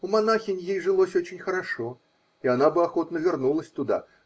У монахинь ей жилось очень хорошо, и она бы охотно вернулась туда.